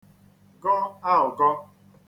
gọ aụ̀gọ